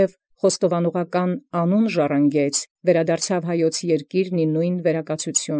Եւ զխոստովանողական անուն ժառանգեաց, ի նոյն վերակացութիւնն դառնայր յերկիրն Հայոց։